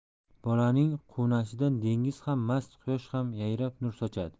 bolaning quvnashidan dengiz ham mast quyosh ham yayrab nur sochadi